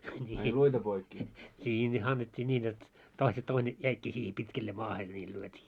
niin niin ne annettiin niin jotta toisen toinen jäikin siihen pitkälleen maahan niillä lyötiin